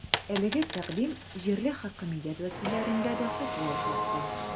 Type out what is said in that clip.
Әлеге тәкъдим җирле хакимият вәкилләрендә дә хуплау тапты.